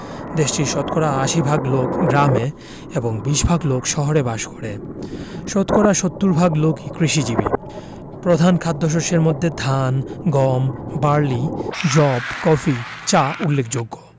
দেশটির শতকরা ৮০ ভাগ লোক গ্রামে এবং ২০ ভাগ লোক শহরে বাস করে শতকরা ৭০ ভাগ লোক কৃষিজীবী প্রধান খাদ্যশস্যের মধ্যে ধান গম বার্লি যব কফি চা উল্লেখযোগ্য